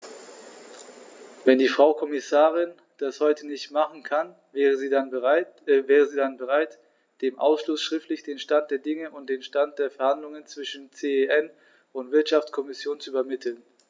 Wenn die Frau Kommissarin das heute nicht machen kann, wäre sie dann bereit, dem Ausschuss schriftlich den Stand der Dinge und den Stand der Verhandlungen zwischen CEN und Wirtschaftskommission zu übermitteln?